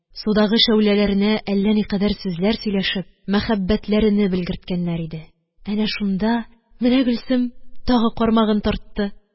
Судагы шәүләләренә әллә никадәр сүзләр сөйләшеп, мәхәббәтләрене белгерткәннәр иде. Әнә шунда... Менә Гөлсем тагы кармагын тартты.